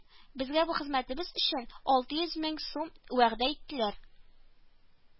Безгә бу хезмәтебез өчен алты йөз мең сум вәгъдә иттеләр